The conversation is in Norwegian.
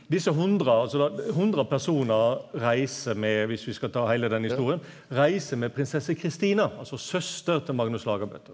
desse 100 altså da 100 personar reiser med viss vi skal ta heile den historia reiser med prinsesse Kristina, altså søster til Magnus Lagabøte.